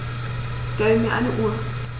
Stell mir eine Uhr.